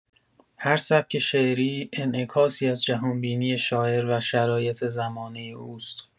هر سبک شعری، انعکاسی از جهان‌بینی شاعر و شرایط زمانه اوست.